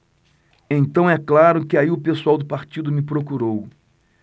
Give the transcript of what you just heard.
então é claro que aí o pessoal do partido me procurou